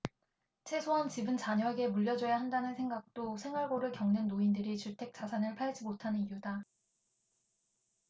최소한 집은 자녀에게 물려줘야 한다는 생각도 생활고를 겪는 노인들이 주택 자산을 팔지 못하는 이유다